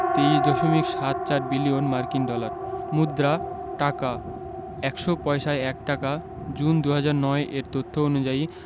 ২৩দশমিক সাত চার বিলিয়ন মার্কিন ডলার মুদ্রাঃ টাকা ১০০ পয়সায় ১ টাকা জুন ২০০৯ এর তথ্য অনুযায়ী